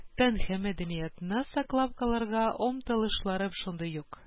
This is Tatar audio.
Тел һәм мәдәниятне саклап калырга омтылышлары шундый ук.